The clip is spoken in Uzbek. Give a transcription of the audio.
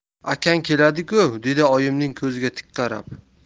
akang keladu dedi oyimning ko'ziga tik qarab